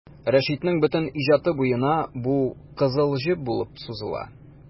Рәшитнең бөтен иҗаты буена бу кызыл җеп булып сузыла.